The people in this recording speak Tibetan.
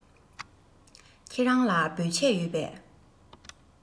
ཁྱེད རང ལ བོད ཆས ཡོད པས